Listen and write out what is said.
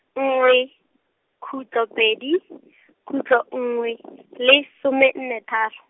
nngwe, khutlo pedi, khutlo nngwe, le some nne tharo.